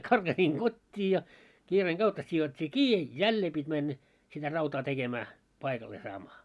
karkasin kotiin ja kiireen kautta sidottiin kiinni jälleen piti mennä sitä rautaa tekemään paikalleen saamaan